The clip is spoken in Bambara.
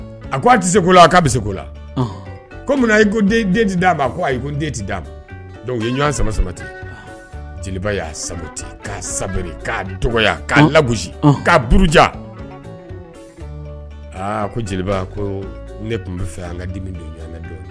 A ko a tɛ se kola a' bɛ se ko la ko munna i ko den tɛ d'a ma ko ayi ko den tɛ'a ma u ye ɲɔgɔn sama saba ten jeliba y'ati k'a sabaliri k'a dɔgɔya k'a labu k'aja aa ko jeliba ko ne tun bɛ fɛ an ka di